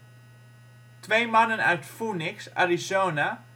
Twee mannen uit Phoenix, Arizona